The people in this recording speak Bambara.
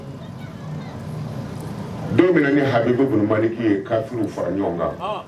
Don bɛna ha i kobari k' ye ka fara ɲɔgɔn kan